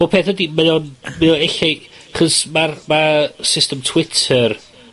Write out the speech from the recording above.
Wel peth ydi mae o'n, mae o ellai, 'chos ma'r ma' system Twitter